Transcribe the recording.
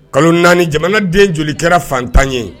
Kalo naani jamana den joli kɛra fantan ye